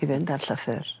i fynd â'r llythyr